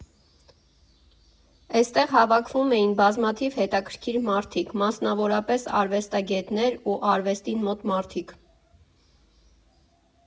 Էնտեղ հավաքվում էին բազմաթիվ հետաքրքիր մարդիկ, մասնավորապես, արվեստագետներ ու արվեստին մոտ մարդիկ։